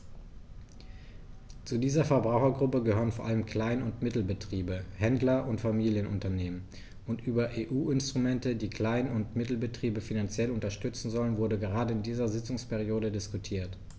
Zu dieser Verbrauchergruppe gehören vor allem Klein- und Mittelbetriebe, Händler und Familienunternehmen, und über EU-Instrumente, die Klein- und Mittelbetriebe finanziell unterstützen sollen, wurde gerade in dieser Sitzungsperiode diskutiert.